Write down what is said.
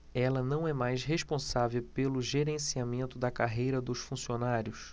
ela não é mais responsável pelo gerenciamento da carreira dos funcionários